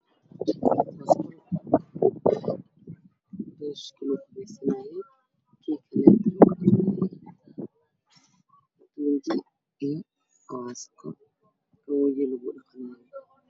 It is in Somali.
Waxaa ii muuqda shawar maya lagu qabeysto iyo isqashana lagu garo kadarkiisa wacdaan